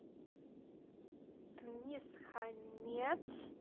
тунис хаммамет